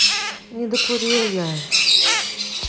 недокурил я